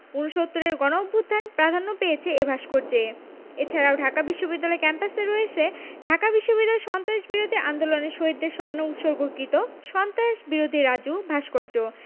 উনসত্তুরের গণঅভ্যুত্থান প্রাধান্য পেয়েছে এ ভাস্কর্যে এ ছাড়াও ঢাকা বিশ্ববিদ্যালয় ক্যাম্পাসে রয়েছে ঢাকা বিশ্ববিদ্যালয়ে সন্ত্রাসবিরোধী আন্দোলনে শহীদদের স্মরণে উৎসর্গকৃত সন্ত্রাসবিরোধী রাজু ভাস্কর্য